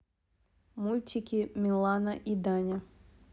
мультики милана и даня